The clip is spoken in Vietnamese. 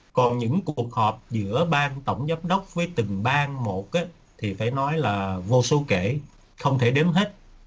còn những cuộc họp giữa ban tổng giám đốc với từng ban một ớ thì phải nói là vô số kể không thể đếm hết